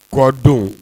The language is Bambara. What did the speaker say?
Kɔ don